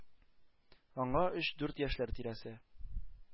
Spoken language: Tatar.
Аңа өч дүрт яшьләр тирәсе,